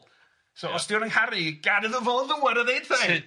So os di o'n yng ngharu i gad iddo fo ddŵad a ddeud thai.